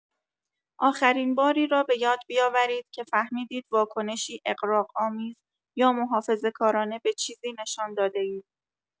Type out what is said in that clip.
آخرین باری را بۀاد بیاورید که فهمیدید واکنشی اغراق‌آمیز یا محافظه‌کارانه به چیزی نشان داده‌اید